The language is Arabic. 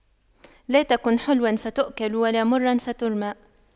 لا تكن حلواً فتؤكل ولا مراً فترمى